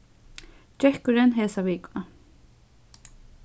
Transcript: gekkurin hesa vikuna